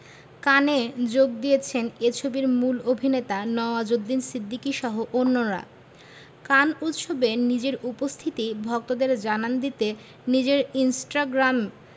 কানে যোগ দিয়েছেন এ ছবির মূল অভিনেতা নওয়াজুদ্দিন সিদ্দিকীসহ অন্যরা কান উৎসবে নিজের উপস্থিতি ভক্তদের জানান দিতে নিজের ইনস্টাগ্রাম